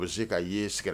Bilisi ka ye siraɛrɛ